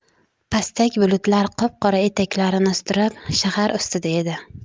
pastak bulutlar qop qora etaklarini sudrab shahar ustida edi